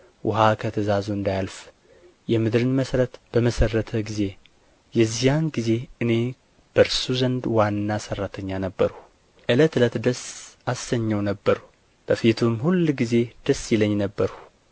ውኃ ከትእዛዙ እንዳያልፍ የምድርን መሠረት በመሠረተ ጊዜ የዚያን ጊዜ እኔ በእርሱ ዘንድ ዋና ሠራተኛ ነበርሁ ዕለት ዕለት ደስ አሰኘው ነበርሁ በፊቱም ሁልጊዜ ደስ ይለኝ ነበርሁ